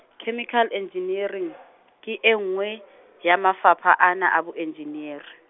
chemical engineering, ke e nngwe, ya mefapha ana a boenjinere.